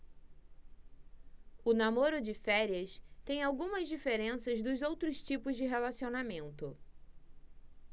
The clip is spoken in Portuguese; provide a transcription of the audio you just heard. o namoro de férias tem algumas diferenças dos outros tipos de relacionamento